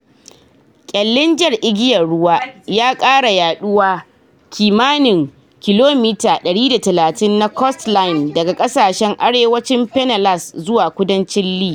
Kyallin Jar Igiyar Ruwa na kara yaduwa kimanin kilomita 130 na coastline daga kasashen arewacin Pinellas zuwa kudancin Lee.